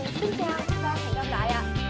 xin chào và